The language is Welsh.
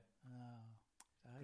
O, da ia.